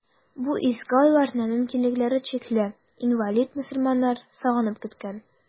Бу изге айларны мөмкинлекләре чикле, инвалид мөселманнар сагынып көткән.